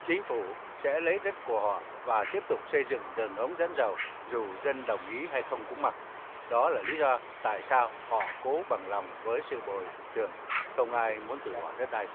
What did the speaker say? chính phủ sẽ lấy đất của họ và tiếp tục xây dựng đường ống dẫn dầu dù dân đồng ý hay không cũng mặc đó là lý do tại sao họ cố bằng lòng với sự bồi thường không ai muốn từ bỏ đất đai